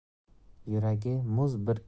yuragi muz bir